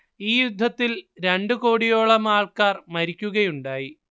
ഈ യുദ്ധത്തിൽ രണ്ടു കോടിയോളം ആൾക്കാർ മരിക്കുകയുണ്ടായി